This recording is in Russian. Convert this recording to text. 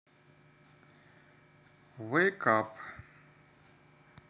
wake up